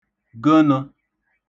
ǹgụnụ̄